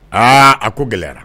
Aa a ko gɛlɛyara